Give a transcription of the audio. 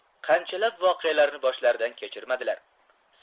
qanchalab voqealarni boshlaridan kechirmadilar